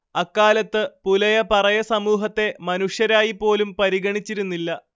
അക്കാലത്ത് പുലയപറയ സമൂഹത്തെ മനുഷ്യരായി പോലും പരിഗണിച്ചിരുന്നില്ല